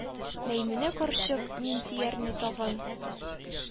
Мәймүнә карчык Миндиярны тагын